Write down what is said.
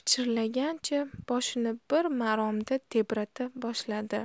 pichirlagancha boshini bir maromda tebrata boshladi